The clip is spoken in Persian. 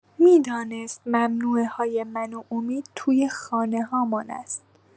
می‌دانست ممنوعه‌های من و امید توی خانه‌هامان است.